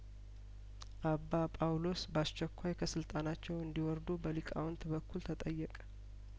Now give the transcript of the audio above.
አባ ጳውሎስ በአስቸኳይከስልጣ ናቸው እንዲ ወርዱ በሊቃውንት በኩል ተጠየቀ